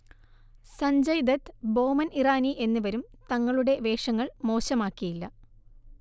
സഞ്ജയ്ദത്ത്, ബോമൻ ഇറാനി എന്നിവരും തങ്ങളുടെ വേഷങ്ങൾ മോശമാക്കിയില്ല